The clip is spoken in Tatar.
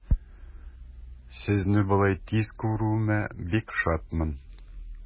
Сезне болай тиз күрүемә бик шатмын.